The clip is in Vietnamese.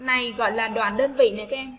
này gọi là đoàn đơn vị